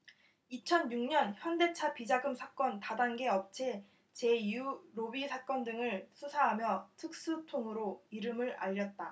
이천 육 년 현대차 비자금 사건 다단계 업체 제이유 로비 사건 등을 수사하며 특수통으로 이름을 알렸다